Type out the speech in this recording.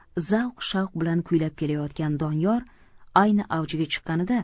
zavq shavq bilan kuylab kelayotgan doniyor ayni avjiga chiqqanida